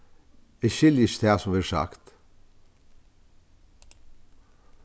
eg skilji ikki tað sum verður sagt